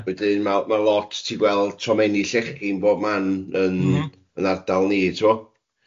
Wedyn ma- ma' lot... ti'n gweld, tomenni llechi yn bob man yn... m-hm... yn ardal ni, t'mo?